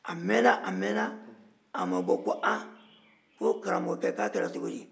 a mɛnna a mɛnna a ma bɔ u ko a ko karamɔgɔkɛ k'a kɛra cogo di